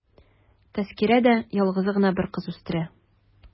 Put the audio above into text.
Тәзкирә дә ялгызы гына бер кыз үстерә.